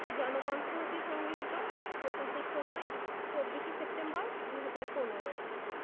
জনকণ্ঠ হতে সংগৃহীত প্রকাশের সময় ২৪ সেপ্টেম্বর ২০১৫